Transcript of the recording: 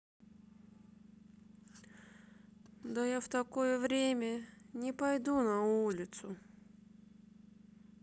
да я в такое время не пойду на улицу